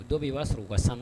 Dɔw b' b'a sɔrɔ u ka sanu